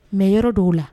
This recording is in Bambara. Mais yɔrɔ dɔnw la